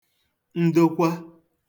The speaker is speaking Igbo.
ndokwa